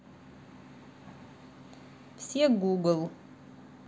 все google